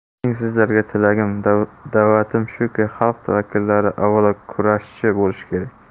mening sizlarga tilagim da'vatim shuki xalq vakillari avvalo kurashchi bo'lishi kerak